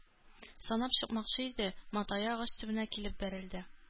Санап чыкмакчы иде, матае агач төбенә килеп бәрелде.